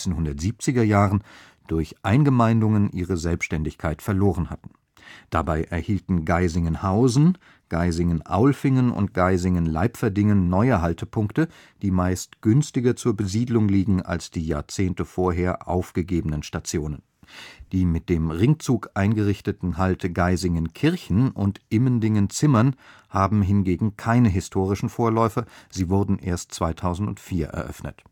1970er Jahren durch Eingemeindungen ihre Selbständigkeit verloren hatten. Dabei erhielten Geisingen-Hausen, Geisingen-Aulfingen und Geisingen-Leipferdingen neue Haltepunkte, die meist günstiger zur Besiedlung liegen als die Jahrzehnte vorher aufgegebenen Stationen. Die mit dem Ringzug eingerichteten Halte Geisingen-Kirchen und Immendingen-Zimmern haben hingegen keine historischen Vorläufer, sie wurden erst 2004 eröffnet